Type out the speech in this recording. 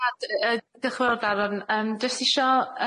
D- yy diolch yn fawr Daron yym dwi jyst isho